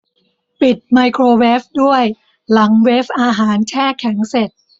ปิดไมโครเวฟด้วยหลังเวฟอาหารแช่แข่งเสร็จ